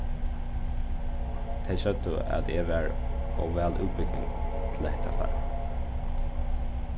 tey søgdu at eg var ov væl útbúgvin til hetta starvið